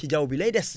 ci jawu bi lay dss